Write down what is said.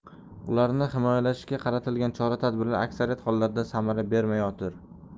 ularni himoyalashga qaratilgan chora tadbirlar aksariyat hollarda samara bermayotir